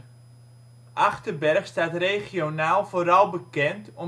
Achterberg staat regionaal vooral bekend